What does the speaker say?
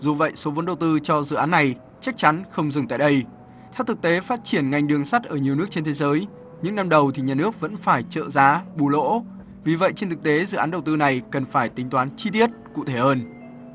dù vậy số vốn đầu tư cho dự án này chắc chắn không dừng tại đây theo thực tế phát triển ngành đường sắt ở nhiều nước trên thế giới những năm đầu thì nhà nước vẫn phải trợ giá bù lỗ vì vậy trên thực tế dự án đầu tư này cần phải tính toán chi tiết cụ thể hơn